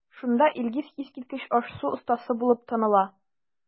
Шунда Илгиз искиткеч аш-су остасы булып таныла.